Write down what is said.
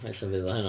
Ella fydd o heno.